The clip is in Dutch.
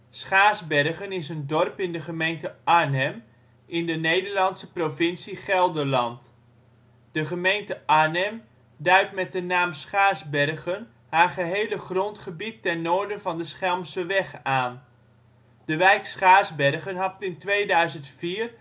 Schaarsbergen is een dorp in de gemeente Arnhem, in de Nederlandse provincie Gelderland. De gemeente Arnhem duidt met de naam Schaarsbergen haar gehele grondgebied ten noorden van de Schelmseweg aan. De wijk Schaarsbergen had in 2004